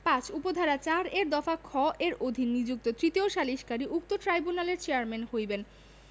৫ উপ ধারা ৪ এর দফা খ এর অধীন নিযুক্ত তৃতীয় সালিসকারী উক্ত ট্রাইব্যুনালের চেয়ারম্যান হইবেন